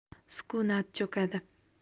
sukunat cho'kadi